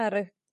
ar y